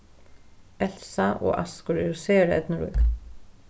elsa og askur eru sera eydnurík